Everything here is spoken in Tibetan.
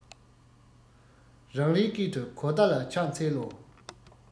རང རེའི སྐད དུ གོ བརྡ ལ ཕྱག འཚལ ལོ